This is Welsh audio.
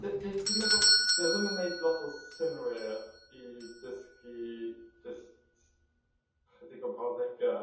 d- d- dwi'n meddwl dio e ddim yn wneud lot o synnwyr i ddysgu jyst chydig o brawddegau.